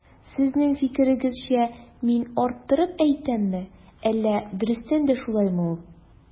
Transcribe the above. Сезнең фикерегезчә мин арттырып әйтәмме, әллә дөрестән дә шулаймы ул?